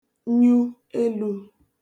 nyu elū